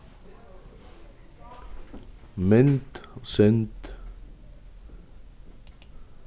mynd og synd